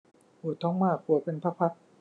ปวดท้องมากปวดเป็นพักพัก